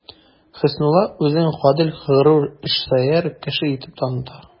Хөснулла үзен гадел, горур, эшсөяр кеше итеп таныта.